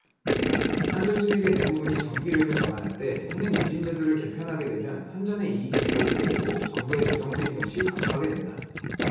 한전 수익의 대부분이 전기료임을 감안할 때 현행 누진제도를 개편하게 되면 한전의 이익이 줄어들게 되고 정부의 재정수입 역시 감소하게 된다